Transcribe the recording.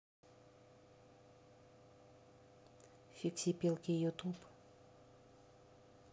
фиксипелки ютуб